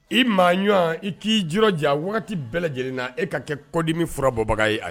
I maa ɲ i k'i ji jan wagati bɛɛ lajɛlen na e ka kɛ kɔdimi furabɔbaga ye ayi ye